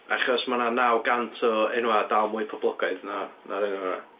Achos ma' 'na naw gant o enwau dal mwy poblogaidd na na'r enw yna.